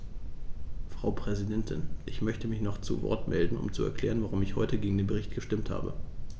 Frau Präsidentin, ich möchte mich zu Wort melden, um zu erklären, warum ich heute gegen den Bericht gestimmt habe.